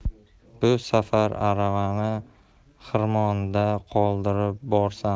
bu safar aravani xirmonda qoldirib borsam